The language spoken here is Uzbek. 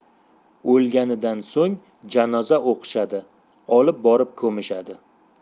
o'lganidan so'ng janoza o'qishadi olib borib ko'mishadi